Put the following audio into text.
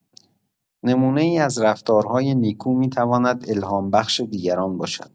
نمونه‌ای از رفتارهای نیکو می‌تواند الهام‌بخش دیگران باشد.